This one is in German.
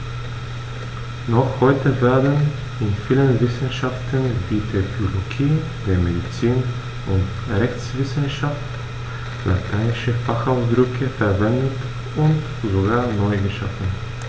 Noch heute werden in vielen Wissenschaften wie der Biologie, der Medizin und der Rechtswissenschaft lateinische Fachausdrücke verwendet und sogar neu geschaffen.